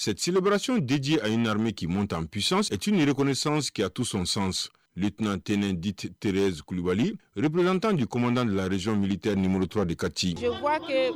Sesielebararasi deji a ye nareme k'umutan psionrettiinierek sankeya tu son san tteenditerezkululi kulubali replkantan dektan rezsononvlite niurutu de ka ci